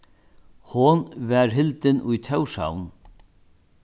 hon varð hildin í tórshavn